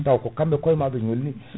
taw ko kamɓe koye mabɓe ñolni